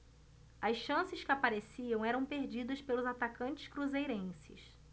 as chances que apareciam eram perdidas pelos atacantes cruzeirenses